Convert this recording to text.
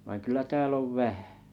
vaan kyllä täällä on vähän